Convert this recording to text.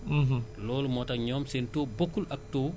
boo xooloon Kaolack ñoom pour ñu am loolu day yomb si ñoom